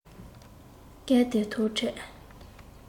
སྐད དེ ཐོས འཕྲལ